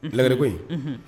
Lakare ko in , unhun.